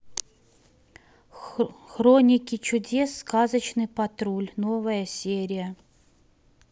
хроники чудес сказочный патруль новая серия